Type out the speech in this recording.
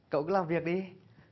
cậu cứ làm việc đi